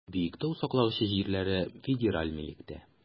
Биектау саклагычы җирләре федераль милектә.